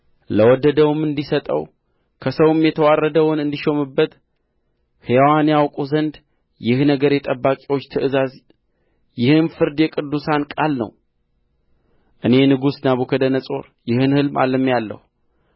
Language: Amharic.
ለወደደውም እንዲሰጠው ከሰውም የተዋረደውን እንዲሾምበት ሕያዋን ያውቁ ዘንድ ይህ ነገር የጠባቂዎች ትእዛዝ ይህም ፍርድ የቅዱሳን ቃል ነው እኔ ንጉሡ ናቡከደነፆር ይህን ሕልም አልሜአለሁ